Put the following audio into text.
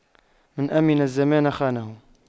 من أَمِنَ الزمان خانه